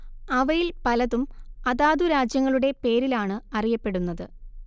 അവയിൽ പലതും അതാതു രാജ്യങ്ങളുടെ പേരിലാണ് അറിയപ്പെടുന്നത്